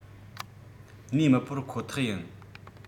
གནས མི སྤོར ཁོ ཐག ཡིན